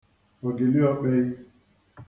ògìliōkpēī